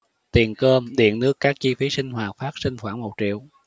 tiền cơm điện nước các chi phí sinh hoạt phát sinh khoảng một triệu